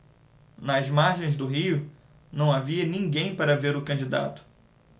nas margens do rio não havia ninguém para ver o candidato